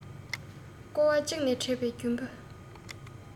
ཀོ བ གཅིག ནས དྲས པའི རྒྱུན བུ